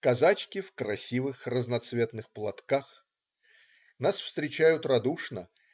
Казачки в красивых, разноцветных платках. Нас встречают радушно.